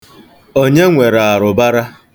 Onye nwere arụbara?